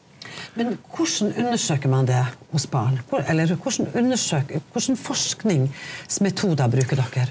men hvordan undersøker man det hos barn eller hvordan undersøke hvilke forskningsmetoder bruker dere?